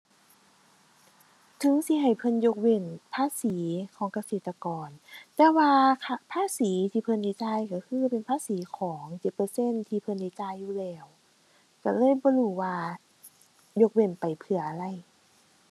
ถึงสิให้เพิ่นยกเว้นภาษีของเกษตรกร แต่ว่าภะ ภาษีที่เพิ่นได้จ่ายก็คือเป็นภาษีของ เจ็ดเปอร์เซ็นต์ที่เพิ่นได้จ่ายอยู่แล้ว ก็เลยบ่รู้ว่ายกเว้นไปเพื่ออะไร